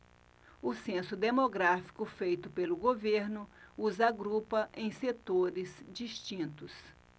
o censo demográfico feito pelo governo os agrupa em setores distintos